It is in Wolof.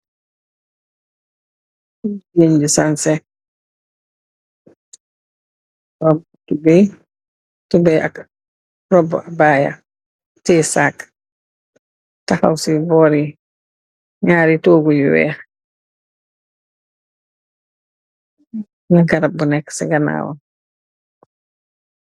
Jigeen bu sanse sol tube ak rob baya teye saak taxaw ci boori naari toogu yu weex amna garab bu nekk ci ganaawam.